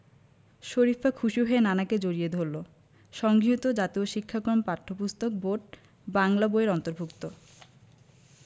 শরিফা খুশি হয়ে নানাকে জড়িয়ে ধরল সংগৃহীত জাতীয় শিক্ষাক্রম পাঠ্যপুস্তক বোর্ড বাংলা বই এর অন্তর্ভুক্ত